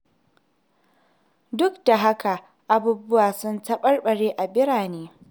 Duk da haka, abubuwa sun taɓarɓare a birane.